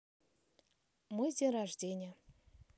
мой день рождения